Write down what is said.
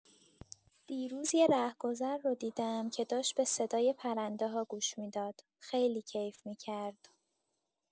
دیروز یه رهگذر رو دیدم که داشت به صدای پرنده‌ها گوش می‌داد، خیلی کیف می‌کرد.